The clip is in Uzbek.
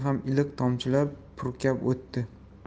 ham iliq tomchilar purkab o'tdi